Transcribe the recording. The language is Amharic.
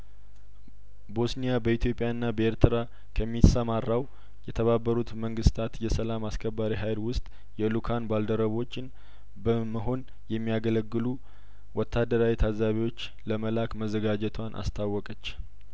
ቦስኒያበኢትዮጵያ ና በኤርትራ ከሚሰማራው የተባበሩት መንግስታት የሰላም አስከባሪ ሀይል ውስጥ የልኡካን ባልደረቦችን በመሆን የሚያገለግሉ ወታደራዊ ታዛቢዎች ለመላክ መዘጋጀቷን አስታወቀች